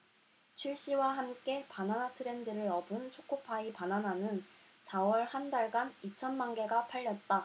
출시와 함께 바나나 트렌드를 업은 초코파이 바나나는 사 월 한 달간 이천 만개가 팔렸다